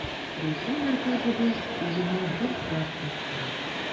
Рухи мәркәзебез үзенә гел тартып тора.